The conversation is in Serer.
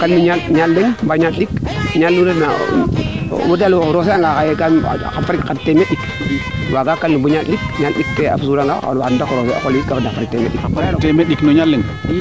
ñaal leŋ wala ñaal ɗik o daal o roose anga xaye waaa kalnu bo ñaal ɗik xana roose ka fadna temeed ɗik